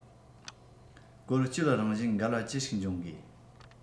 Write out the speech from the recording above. བཀོལ སྤྱོད རང བཞིན འགལ བ ཅི ཞིག འབྱུང དགོས